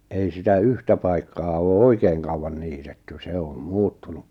ei sitä yhtä paikkaa ole oikein kauan niitetty se on muuttunut